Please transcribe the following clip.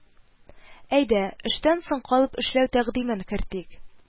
Әйдә, эштән соң калып эшләү тәкъдимен кертик